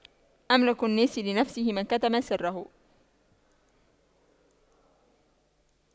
أملك الناس لنفسه من كتم سره